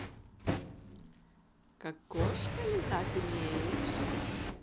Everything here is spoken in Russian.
как кошка лизать умеешь